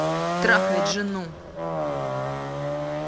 трахает жену